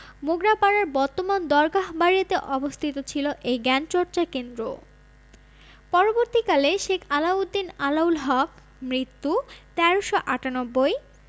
মোগরাপাড়ার বর্তমান দরগাহ বাড়িতে অবস্থিত ছিল এই জ্ঞানচর্চা কেন্দ্র পরবর্তীকালে শেখ আলাউদ্দিন আলাউল হক মৃত্যু ১৩৯৮